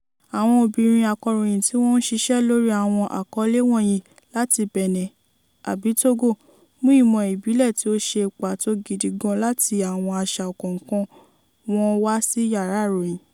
Àwọn obìnrin akọ̀ròyìn tí wọ́n ń ṣiṣẹ́ lórí àwọn àkọlé wọ̀nyìí láti Benin àbí Togo, mú ìmọ̀ ìbílẹ̀ tí ó ṣe pàtó gidi gan láti àwọn àṣà ọ̀kọ̀ọ̀kan wọn wá sí yàrá ìròyìn.